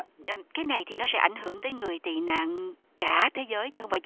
cái này thì nó sẽ ảnh hưởng tới người tị nạn cả thế giới chứ không phải